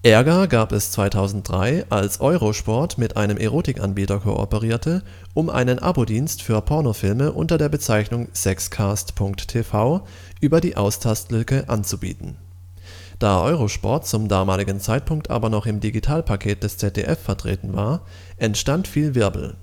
Ärger gab es 2003, als Eurosport mit einem Erotikanbieter kooperierte, um einen Abo-Dienst für Pornofilme unter der Bezeichnung Sexxxcast.TV über die Austastlücke anzubieten. Da Eurosport zum damaligen Zeitpunkt aber noch im Digitalpaket des ZDF vertreten war, entstand viel Wirbel